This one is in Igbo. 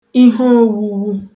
iheòwuwu